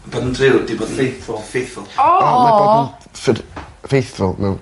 Bod yn driw 'di bod ffaithful yn ffaithful. O o. Sud *ffaithful mewn...